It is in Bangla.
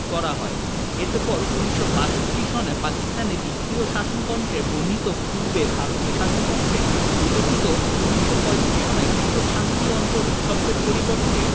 করাহয় অতপর ১৯৬২ সনে পাকিস্তানের দ্বিতীয় শাসনতন্ত্রে বর্ণিত পূর্বে ভারতীয় শাসনতন্ত্রে উল্লিখিত ১৯৩৫ সনের পৃথক শাস্তি অঞ্চল শব্দের পরিবর্তে